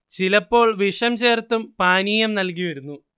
ചിലപ്പോൾ വിഷം ചേർത്തും പാനീയം നൽകി വരുന്നു